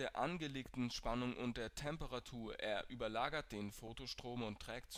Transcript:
angelegten Spannung und der Temperatur; er überlagert den Photostrom und trägt